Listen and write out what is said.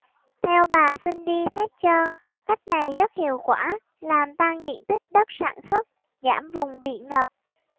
theo bà cindy thatcher cách này rất hiệu quả làm tăng diện tích đất sản xuất giảm vùng bị ngập